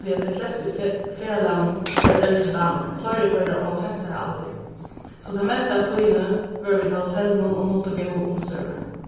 tí at tey flest ferðalagnum vóru eldri damur fleiri teirra um hálvfems ára aldur so tað mesta av tíðini vóru vit á hotellinum og nutu góðu umstøðurnar